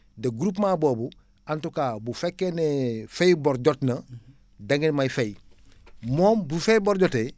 te groupement boobu en tout cas bu fekkee ne fay bor jot nada ngeen may fay moom bu fay bor jotee